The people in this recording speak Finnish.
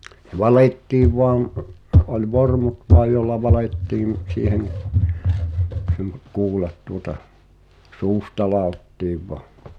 se valettiin vain oli vormut vain jolla valettiin siihen - kuulat tuota suusta ladottiin vain